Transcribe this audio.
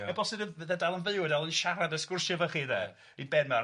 a bosib fydd o'n dal yn fyw a dal yn siarad a sgwrsio efo chi de, ei ben mawr.